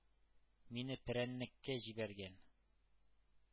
Мине перәннеккә җибәргән.